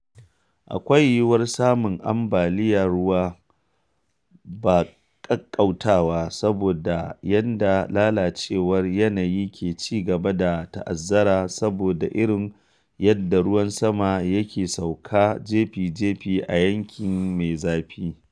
Akwai yiwuwar samun ambaliya ruwa ba ƙaƙƙautawa saboda yanda lalacewar yanayi ke ci gaba da ta'azzara saboda irin yadda ruwan sama ya ke sauka jifa-jifa a yanki mai zafi.